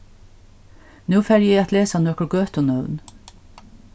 nú fari eg at lesa nøkur gøtunøvn